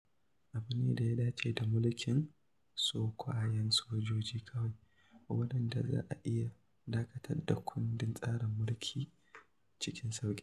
Abu ne da ya dace da mulkin sokwayen sojoji kawai, wurin da za a iya dakatar da kundin tsarin mulki cikin sauƙi…